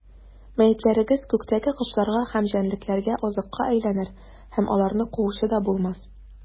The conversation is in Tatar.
Мәетләрегез күктәге кошларга һәм җәнлекләргә азыкка әйләнер, һәм аларны куучы да булмас.